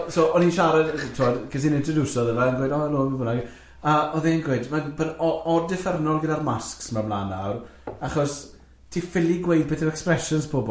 So, so o'n i'n siarad, tibod, ges i'n introducio iddo fe, oedd yna yn gweud, o no, be' bynnag, a oedd e'n gweud, ma'n bynn- o- od-differnol gyda'r masgs yma ymlaen nawr, achos ti ffili gweud pethau'n expressions pobol.